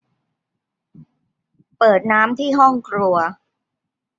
เปิดน้ำที่ห้องครัว